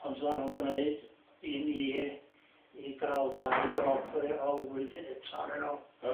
Ond oddan n'w'n gneud i ni i ga'l dau grob o ŵyn eto arnyn n'w.